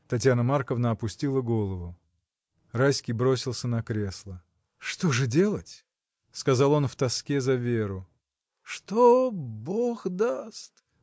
Татьяна Марковна опустила голову. Райский бросился на кресло. — Что же делать? — сказал он в тоске за Веру. — Что Бог даст!